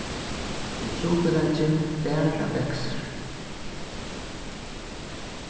og trupulleikin bara veksur